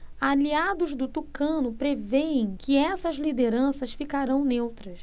aliados do tucano prevêem que essas lideranças ficarão neutras